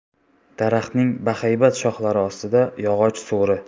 daraxtning baxaybat shoxlari ostida yog'och so'ri